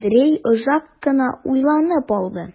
Андрей озак кына уйланып алды.